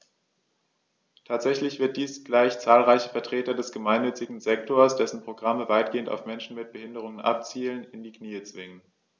Tatsächlich wird dies gleich zahlreiche Vertreter des gemeinnützigen Sektors - dessen Programme weitgehend auf Menschen mit Behinderung abzielen - in die Knie zwingen.